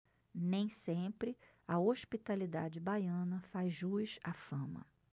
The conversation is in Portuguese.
nem sempre a hospitalidade baiana faz jus à fama